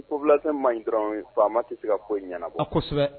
Kobilɛ man ɲi dɔrɔn ye faama tɛ se ka ko ɲɛnaana a kosɛbɛ